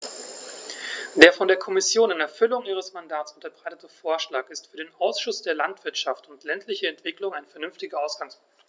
Der von der Kommission in Erfüllung ihres Mandats unterbreitete Vorschlag ist für den Ausschuss für Landwirtschaft und ländliche Entwicklung ein vernünftiger Ausgangspunkt.